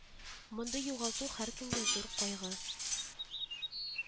Мондый югалту һәркемгә зур кайгы